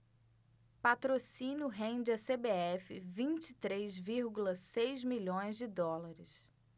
patrocínio rende à cbf vinte e três vírgula seis milhões de dólares